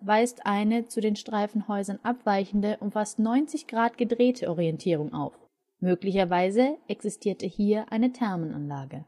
weist eine zu den Streifenhäusern abweichende, um fast 90° gedrehte Orientierung auf. Möglicherweise existierte hier eine Thermenanlage.